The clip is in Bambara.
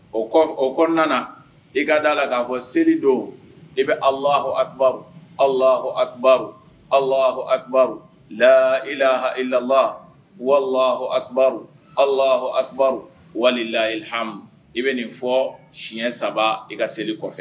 O o kɔnɔna kɔnɔna nana i ka da la k'a ko seli don i bɛ alah alahru alah adu lalahalala walih alahku walilayiham i bɛ nin fɔ siɲɛ saba i ka seli kɔfɛ